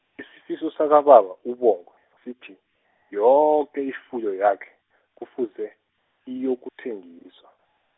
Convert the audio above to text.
isifiso sakababa, uBongwe sithi, yoke ifuyo yakhe kufuze, iyokuthengiswa.